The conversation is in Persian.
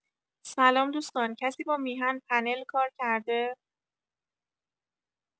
سلام دوستان کسی با میهن پنل کار کرده؟